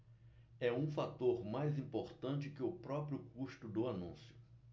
é um fator mais importante que o próprio custo do anúncio